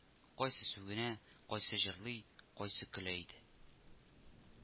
Кайсы сүгенә, кайсы җырлый, кайсы көлә иде